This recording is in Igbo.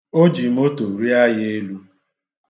O ji moto rịa ya elu.